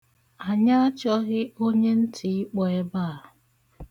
Anyị achọghị onye ntị ịkpọ ebe a.